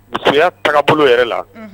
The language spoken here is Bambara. Tunya pap yɛrɛ la